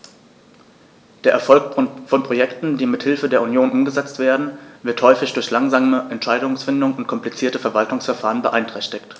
Der Erfolg von Projekten, die mit Hilfe der Union umgesetzt werden, wird häufig durch langsame Entscheidungsfindung und komplizierte Verwaltungsverfahren beeinträchtigt.